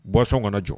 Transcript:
Bɔsɔn kɔnɔ jɔ